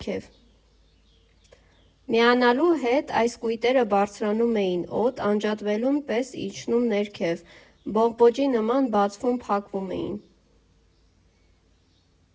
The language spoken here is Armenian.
Միանալու հետ այս կույտերը բարձրանում էին օդ, անջատվելուն պես՝ իջնում ներքև։ Բողբոջի նման բացվում֊փակվում էին։